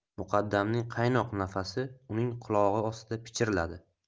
muqaddamning qaynoq nafasi uning qulog'i ostida pichirladi